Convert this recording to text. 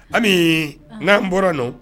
Ami n'an bɔra don